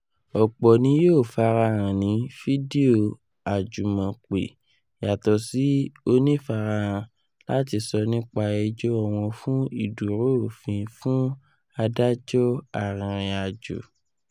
ọpọ ni yoo farahan ni fidio ajumọ pe, yatọsi onifarahan, lati sọ nipa ẹjọ wọn fun iduro ofin fun adajọ arinrinajo.